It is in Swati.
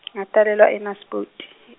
ngatalelwa e- Naspoti.